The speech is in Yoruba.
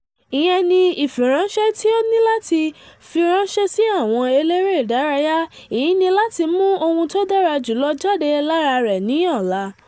Ìyẹn ní ìfiránṣẹ́ tí o níláti fi ránṣẹ́ sí àwọn elérée ìdárayá, èyí ní láti mú ohun tó dára jùlọ jáde lára rẹ ní ọ̀la.